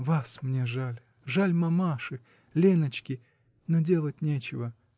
Вас мне жаль, жаль мамаши, Леночки но делать нечего